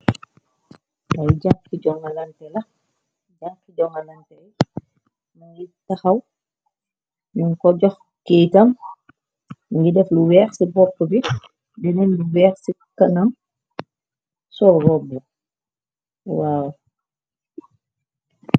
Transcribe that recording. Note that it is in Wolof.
lay janki jonalnte la jànki jonalantey mi ngir taxaw ñu ko jox kiitam ngir def lu weex ci bopp bi deneen lu weex ci kanam sorbobb waar